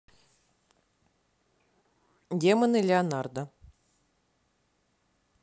демоны леонардо